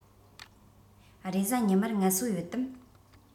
རེས གཟའ ཉི མར ངལ གསོ ཡོད དམ